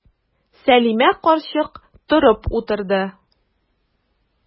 Сәлимә карчык торып утырды.